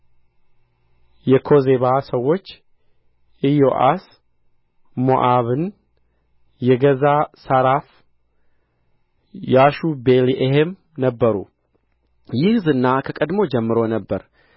የኮዜባ ሰዎች ኢዮአስ ሞዓብን የገዛ ሣራፍ ያሹቢሌሔም ነበሩ ይህ ዝና ከቀድሞ ጀምሮ ነበረ